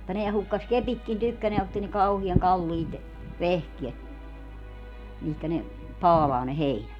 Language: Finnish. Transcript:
mutta nämä hukkasi kepitkin tykkänään ja otti niin kauhean kalliit vehkeet mihin ne paalaa ne heinät